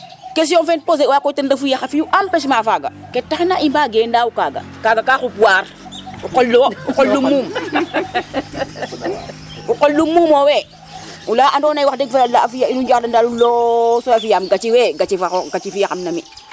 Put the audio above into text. question fem poser wa koy ten refu ye xa fiyu empechement faga ke tax na i mbage ndaw kaga kaga ka xup waar o qole wo o qolo muum o qolo mumo we o la ando naye wax deg fa yala a fiya in njax lendal lool so a fiyam gaci we gaci fiya xam